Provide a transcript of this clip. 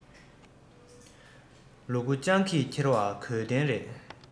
ལུ གུ སྤྱང ཀིས འཁྱེར བ དགོས བདེན རེད